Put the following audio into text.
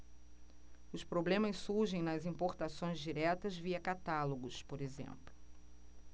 os problemas surgem nas importações diretas via catálogos por exemplo